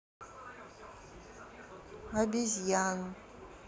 обезьян